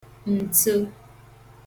ǹto